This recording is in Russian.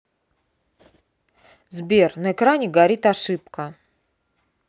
сбер на экране горит ошибка